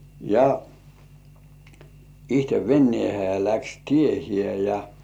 ja itse veneeseen ja lähti tiehensä ja